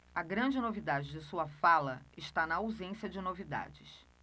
a grande novidade de sua fala está na ausência de novidades